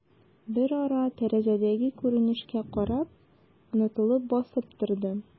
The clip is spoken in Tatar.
Берара, тәрәзәдәге күренешкә карап, онытылып басып торды.